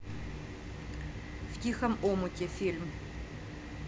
в тихом омуте фильм